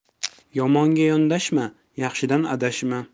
yomonga yondashma yaxshidan adashma